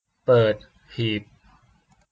เปิดหีบ